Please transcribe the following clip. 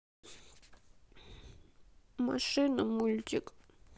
машина мультик